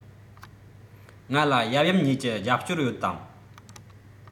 ང ལ ཡབ ཡུམ གཉིས ཀྱི རྒྱབ སྐྱོར ཡོད དམ